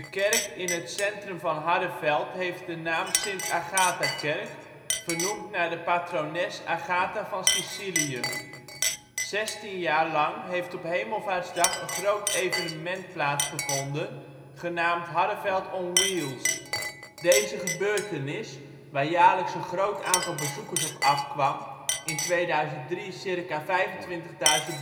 kerk in het centrum van Harreveld heeft de naam Sint Agatha-kerk, vernoemd naar de patrones Agatha van Sicilië. Sint Agatha-kerk in Harreveld 16 jaar lang heeft op Hemelvaartsdag een groot evenement plaatsgevonden genaamd Harreveld on Wheels. Deze gebeurtenis, waar jaarlijks een groot aantal bezoekers op afkwamen in 2003 circa 25.000 bezoekers